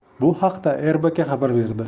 bu haqda rbk xabar berdi